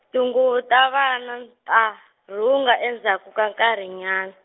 tinguvu ta vana ta rhunga endzhaku ka nkarhinyana.